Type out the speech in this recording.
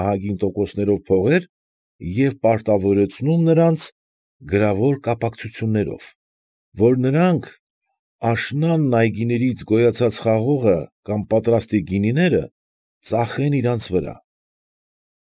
Ահագին տոկոսներով փողեր և պարտավորեցնում նրանց գրավոր կապակցություններով, որ նրանք աշնանն այգիներից գոյացած խաղողը կամ պատրաստի գինիները ծախեն իրանց վրա։